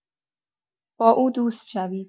با او دوست شوید!